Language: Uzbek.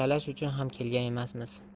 bo'lsak talash uchun ham kelgan emasmiz